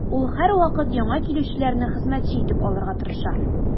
Ул һәрвакыт яңа килүчеләрне хезмәтче итеп алырга тырыша.